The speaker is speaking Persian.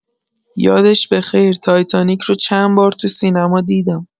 یادش بخیر، تایتانیک رو چند بار تو سینما دیدم.